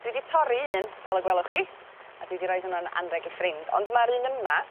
dwi 'di torri un fel y gwelwch chi a dwi 'di roid hwnna'n anreg i ffrind ond ma'r un yma